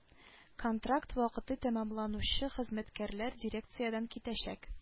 Контракт вакыты тәмамланучы хезмәткәрләр дирекциядән китәчәк